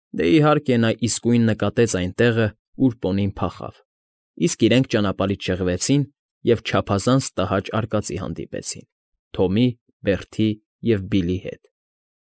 Դե, իհարկե, նա իսկույն նկատեց այն տեղը, ուր պոնին փախավ, իսկ իրենք ճանապարհից շեղվեցին և չափազանց տհաճ արկածի հանդիպեցին Թոմի, Բերթի և Բիլլի հետ։